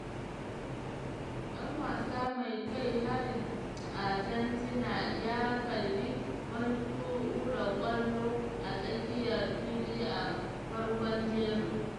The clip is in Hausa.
Ɗan wasa mai kai harin na Argentina ya karɓi wani tura ƙwallo a tsakiyar fili a farkon jerin.